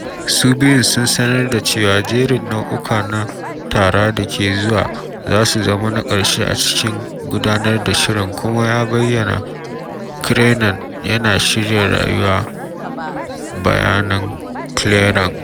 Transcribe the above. Su biyun sun sanar da cewa jerin nau’uka na tara da ke zuwa za su zama na ƙarshe a cikin gudanar da shirin, kuma ya bayyana Kiernan yana shirya rayuwa bayana Craiglang.